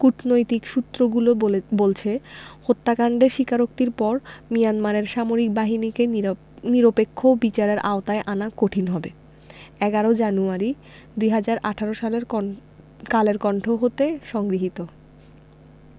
কূটনৈতিক সূত্রগুলো বলছে হত্যাকাণ্ডের স্বীকারোক্তির পরও মিয়ানমারের সামরিক বাহিনীকে নিরপেক্ষ বিচারের আওতায় আনা কঠিন হবে ১১ জানুয়ারি ২০১৮ সালের কন কালের কন্ঠ হতে সংগৃহীত